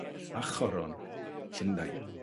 a choron Llundain.